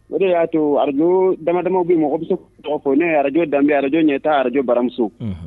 O de y'a to radio dama dama bɛ yen, mɔgɔ bɛ se k'u tɔgɔ fɔ n'o ye radio danbe radio ɲɛtaa radio baramuso